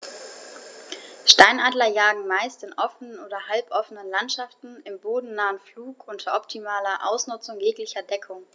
Steinadler jagen meist in offenen oder halboffenen Landschaften im bodennahen Flug unter optimaler Ausnutzung jeglicher Deckung.